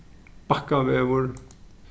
bakkavegur